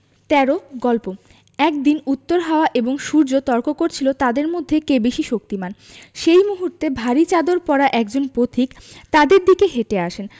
১৩ গল্প একদিন উত্তর হাওয়া এবং সূর্য তর্ক করছিল তাদের মধ্যে কে বেশি শক্তিমান সেই মুহূর্তে ভারি চাদর পরা একজন পথিক তাদের দিকে হেটে আসেন